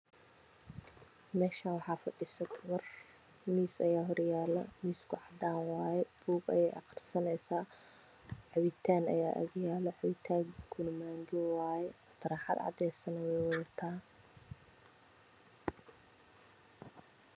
Meshaani waxaa fadhisa gabar miis ayaa hor yala miisku cadan wayo buug ayeey aqriisaneysaa cabitaan ayaa ag yaala cabitanku manga waye taraxad cadeesana way wadataa